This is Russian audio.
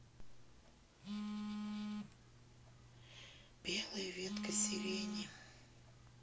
белая ветка сирени